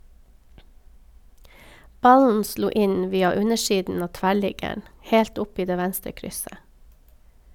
Ballen slo inn via undersiden av tverrliggeren helt oppi det venstre krysset.